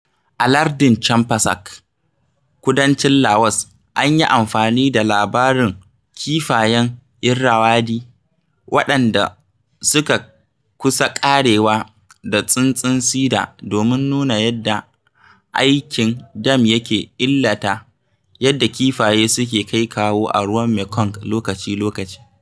A lardin Champasak, kudancin Laos, an yi amfani da labarin kifayen Irrawaddy waɗanda suka kusa ƙarewa da tsuntsun Sida domin nuna yadda aikin dam yake illata yadda kifaye suke kai-kawo a ruwan Mekong lokaci-lokaci.